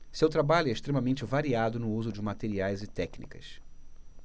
seu trabalho é extremamente variado no uso de materiais e técnicas